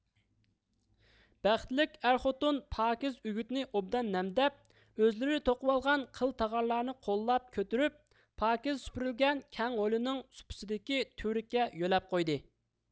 بەختلىك ئەر خوتۇن پاكىز ئۈگۈتنى ئوبدان نەمدەپ ئۆزلىرى توقۇۋالغان قىل تاغارنى قوللاپ كۆتۈرۈپ پاكىز سۈپۈرۈلگەن كەڭ ھويلىنىڭ سۇپىسىدىكى تۈۋرۈككە يۆلەپ قويدى